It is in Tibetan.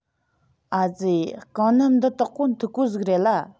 ཨ ཙི རྐང སྣམ འདི དག པོ འཐུག པོ ཟིག རེད ལ